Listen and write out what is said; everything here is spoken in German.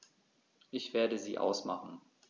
Ich werde sie ausmachen.